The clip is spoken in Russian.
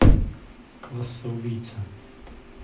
класса убийца